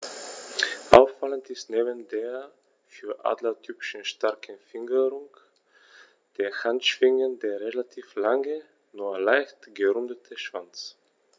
Auffallend ist neben der für Adler typischen starken Fingerung der Handschwingen der relativ lange, nur leicht gerundete Schwanz.